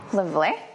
Lyfli.